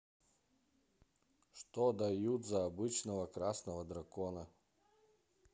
что дают за обычного красного дракона